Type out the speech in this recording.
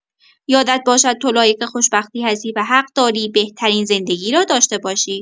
یادت باشد تو لایق خوشبختی هستی و حق‌داری بهترین زندگی را داشته باشی.